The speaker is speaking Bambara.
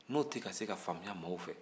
n'o tɛ ka se ka faamuya mɔgɔw fɛ